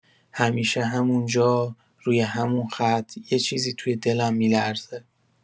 همیشه همون‌جا، روی همون خط، یه چیزی توی دلم می‌لرزه.